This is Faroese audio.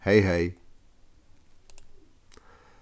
hey hey